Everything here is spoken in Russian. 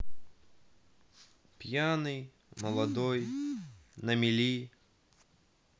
пьяный молодой на мели